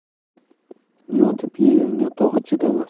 yotib yeganga tog' chidamas